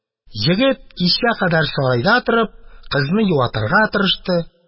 Егет, кичкә кадәр сарайда торып, кызны юатырга тырышты.